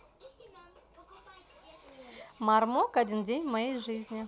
marmok один день в моей жизни